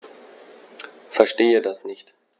Verstehe das nicht.